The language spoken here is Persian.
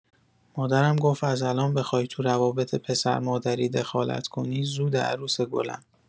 مادرمم گفت از الان بخوای تو روابط پسر مادری دخالت کنی زوده عروس گلم.